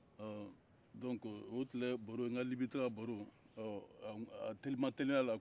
dɔnku o tun ye n ka libi taga baro y'a teliman-teliman